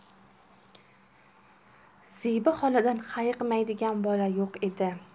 zebi xoladan hayiqmaydigan bola yo'q edi